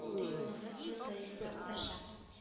-тыюлыгы территориясендә узачак